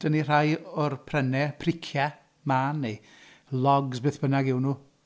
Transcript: Dynnu rhai o'r prennau, priciau mân, neu logs, beth bynnag yw nhw.